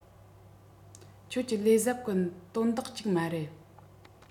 ཁྱོད ཀྱི ལས བཟབ གི དོན དག ཅིག མ རེད